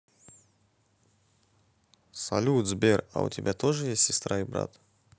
салют сбер а у тебя тоже есть сестра и брат